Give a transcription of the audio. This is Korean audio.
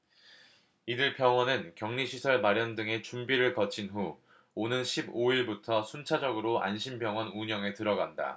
이들 병원은 격리시설 마련 등의 준비를 거친 후 오는 십 오 일부터 순차적으로 안심병원 운영에 들어간다